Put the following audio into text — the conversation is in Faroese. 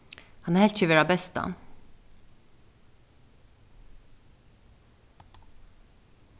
hann helt seg vera bestan